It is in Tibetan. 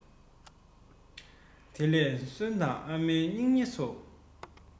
དེ ནས གསོན དང ཨ མའི སྙིང ཉེ ཚོ